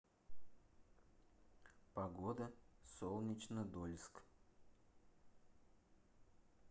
погода солнечнодольск